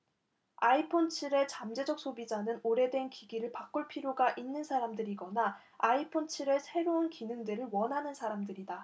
아이폰 칠 의 잠재적 소비자는 오래된 기기를 바꿀 필요가 있는 사람들이거나 아이폰 칠 의 새로운 기능들을 원하는 사람들이다